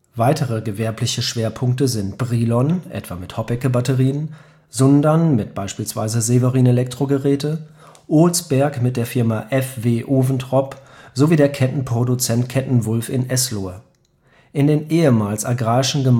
Weitere gewerbliche Schwerpunkte sind in Brilon (Hoppecke Batterien), Sundern (Severin Elektrogeräte) und Olsberg (F. W. Oventrop) sowie der Kettenproduzent KettenWulf in Eslohe. In den ehemals agrarischen